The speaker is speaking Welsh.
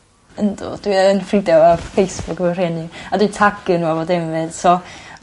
Yndw dwi yn ffrindia efo Facebook efo rhieni. A dwi'n tagio n'w yn bo' dim efyd so